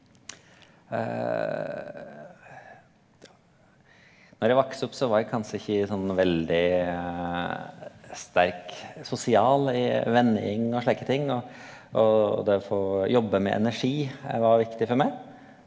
når eg vaks opp så var eg kanskje ikkje sånn veldig sterk sosial i vennegjengar og slike ting og og derfor jobbe med energi var viktig for meg.